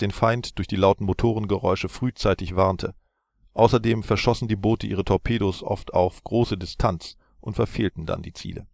Feind durch die lauten Motorengeräusche frühzeitig warnte, außerdem verschossen die Boote ihre Torpedos oft auf große Distanz und verfehlten das Ziel